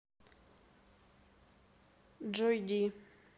джой д